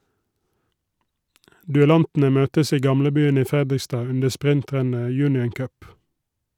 Duellantene møtes i Gamlebyen i Fredrikstad under sprintrennet Union Cup.